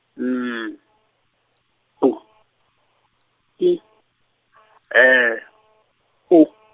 M, B , I, L, U.